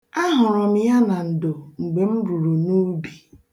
Ahụrụ m ya na ndo mgbe m ruru n'ubi.